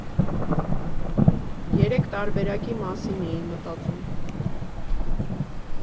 Երեք տարբերակի մասին էի մտածում.